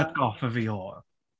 atgoffa fi o?